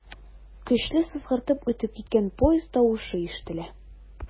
Көчле сызгыртып үтеп киткән поезд тавышы ишетелә.